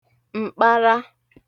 m̀kpara